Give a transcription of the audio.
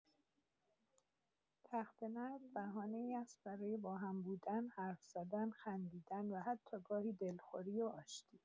تخته‌نرد بهانه‌ای است برای با هم بودن، حرف‌زدن، خندیدن و حتی گاهی دلخوری و آشتی.